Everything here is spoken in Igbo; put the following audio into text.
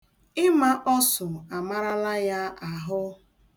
Ịma ọsụ amarala ya ahụ.